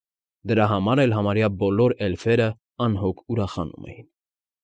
Դրա համար էլ համարյա բոլոր էլֆերն անհոգ ուրախանում էին։